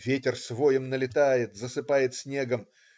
Ветер с воем налетает, засыпает снегом.